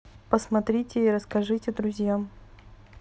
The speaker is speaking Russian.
посмотрите и расскажите друзьям